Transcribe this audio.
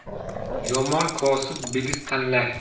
yomon kosib bigiz tanlar